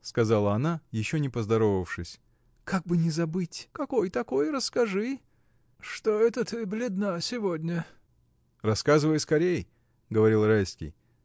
— сказала она, еще не поздоровавшись. — Как бы не забыть! — Какой такой, расскажи? Что это ты бледна сегодня? — Рассказывай скорей! — говорил Райский.